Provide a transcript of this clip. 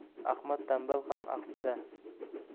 ahmad tanbal ham axsida